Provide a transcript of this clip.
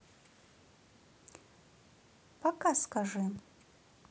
пока скажи